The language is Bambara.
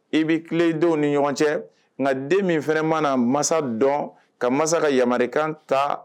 I b’i tilen denw ni ɲɔgɔn cɛ, nka den min fana mana masa dɔn ka masa ka yamarukan ta